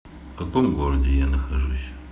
в каком городе я нахожусь